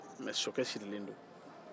mɛ sokɛ sirilen don